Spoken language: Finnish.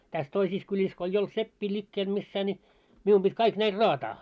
tässä toisissa kylissä kun ei ollut seppiä liikkeellä missään niin minun piti kaikki näille raataa